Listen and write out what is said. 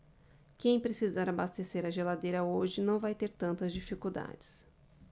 quem precisar abastecer a geladeira hoje não vai ter tantas dificuldades